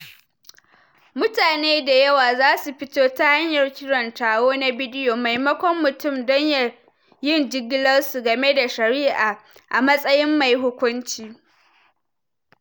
Mutane da yawa za su fito ta hanyar kiran taro na bidiyo, maimakon mutum, don yin jigilar su game da shari'a, a matsayin mai hukunci.